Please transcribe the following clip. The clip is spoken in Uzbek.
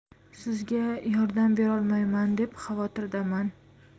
sizga yordam berolmayman deb xavotirdaman